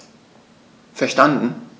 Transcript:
Verstanden.